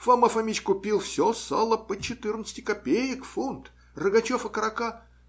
- Фома Фомич купил все сало по четырнадцати копеек фунт. Рогачов окорока.